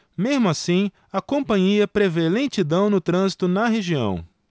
mesmo assim a companhia prevê lentidão no trânsito na região